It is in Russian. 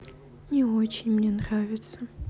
не очень мне нравится